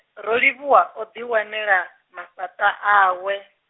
Rolivhuwa odi wanela, mafhaṱa awe.